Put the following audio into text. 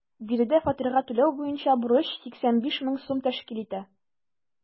Биредә фатирга түләү буенча бурыч 85 мең сум тәшкил итә.